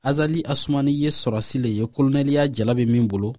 azali asumani ye sɔrɔdasi de ye kolonɛliya jala bɛ min bolo